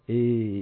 Ee